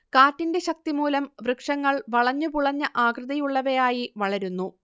കാറ്റിന്റെ ശക്തിമൂലം വൃക്ഷങ്ങൾ വളഞ്ഞുപുളഞ്ഞ ആകൃതിയുള്ളവയായി വളരുന്നു